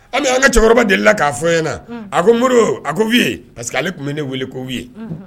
An bɛ an ka cɛkɔrɔba deli la k'a fɔy ɲɛna a ko mori a'iye parceseke ale tun bɛ ne weele k ko ye